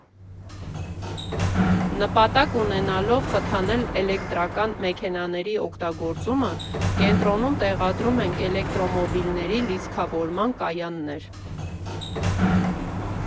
«Նպատակ ունենալով խթանել էլեկտրական մեքենաների օգտագործումը կենտրոնում՝ տեղադրում ենք Էլեկտրոմոբիլների լիցքավորման կայաններ։